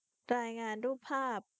รายงานรูปภาพ